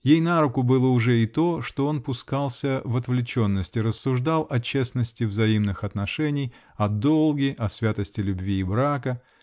Ей на руку было уже и то, что он пускался в отвлеченности, рассуждал о честности взаимных отношений, о долге, о святости любви и брака.